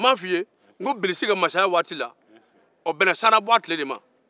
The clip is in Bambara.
n m'a fɔ i ye ko bilisi ka masaya waati bɛnna sannubuwa tile ma